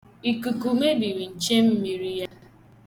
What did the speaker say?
Ikuku mebiri nchemmiri ya.